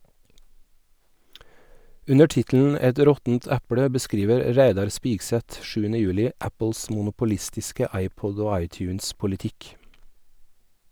Under tittelen "Et råttent eple" beskriver Reidar Spigseth 7. juli Apples monopolistiske iPod- og iTunes-politikk.